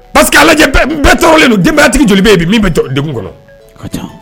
Parce queseke lajɛ bɛɛ tɔɔrɔlen don denbaya tigi joli yen bi min bɛ kɔnɔ